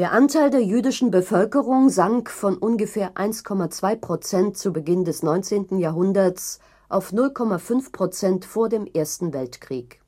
Anteil der jüdischen Bevölkerung sank von ungefähr 1,2% zu Beginn des 19. Jahrhunderts auf 0,5% vor dem Ersten Weltkrieg